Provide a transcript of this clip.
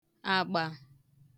àgbà